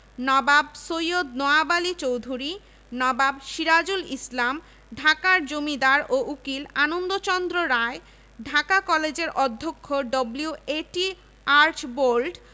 নবাব সৈয়দ নওয়াব আলী চৌধুরী নবাব সিরাজুল ইসলাম ঢাকার জমিদার ও উকিল আনন্দচন্দ্র রায় ঢাকা কলেজের অধ্যক্ষ ডব্লিউ.এ.টি আর্চবোল্ড